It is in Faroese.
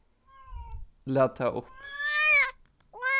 læt tað upp